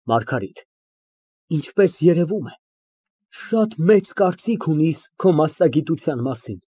ՄԱՐԳԱՐԻՏ ֊ Ինչպես երևում է, շատ մեծ կարծիք ունիս քո մասնագիտության մասին։